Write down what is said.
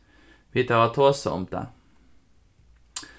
vit hava tosað um tað